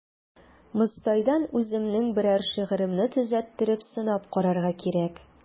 Мостайдан үземнең берәр шигыремне төзәттереп сынап карарга кирәк.